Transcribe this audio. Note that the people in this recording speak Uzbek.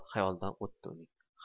xayolidan o'tdi uning